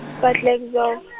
fa Klerksdorp.